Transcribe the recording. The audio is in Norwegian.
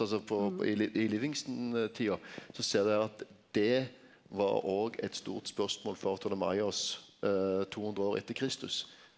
altså på i i Livingston-tida så ser det at det var òg eit stort spørsmål for Ptolemaios 200 år etter Kristus.